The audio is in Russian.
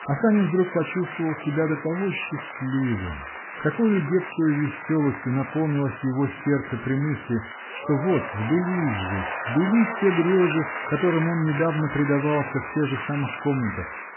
А Санин вдруг почувствовал себя до того счастливым, такою детскою веселостью наполнилось его сердце при мысли, что вот сбылись же, сбылись те грезы, которым он недавно предавался в тех же самых комнатах